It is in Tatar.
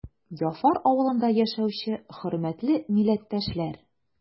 Яфар авылында яшәүче хөрмәтле милләттәшләр!